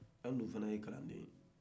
an dun fana ye kalanden ye